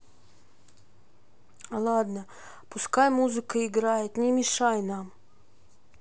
ладно пускай музыка играет не мешай нам